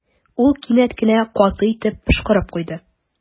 Ул кинәт кенә каты итеп пошкырып куйды.